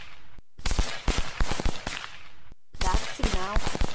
так сигнал